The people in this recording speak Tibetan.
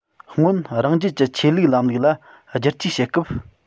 སྔོན རང རྒྱལ གྱི ཆོས ལུགས ལམ ལུགས ལ སྒྱུར བཅོས བྱེད སྐབས